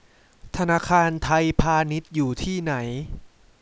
ธนาคารไทยพาณิชย์อยู่ที่ไหน